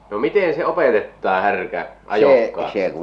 no miten se opetetaan härkä ajokkaaksi